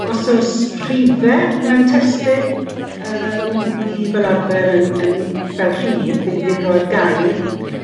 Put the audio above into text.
Os o's rhife mewn testun yym wi fel arfer yn yn fel rhif fi'n fi'n roi'r gair.